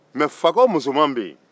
mɛ fakɔ musoman bɛ yen